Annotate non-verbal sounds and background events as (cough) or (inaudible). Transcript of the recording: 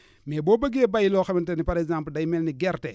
(breath) mais boo bëggee béy loo xamante ne par exemple day mel ni gerte